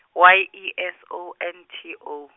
Y E S O N T O.